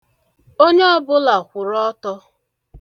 Onye ọbụla kwụrụ ọtọ!